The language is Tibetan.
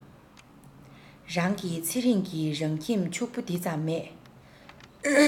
རང གི ཚེ རིང གི རང ཁྱིམ ཕྱུག པོ དེ ཙམ མེད